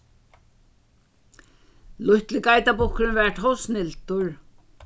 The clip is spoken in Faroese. lítli geitarbukkurin var tó snildur